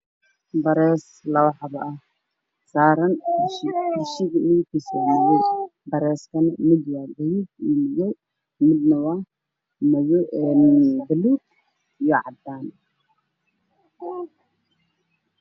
Yaa bare salaxba oo saaran mashiin wareysiga midugudu mid waa cagaar midna wajaale kurtigood waxay saaranyihiin miis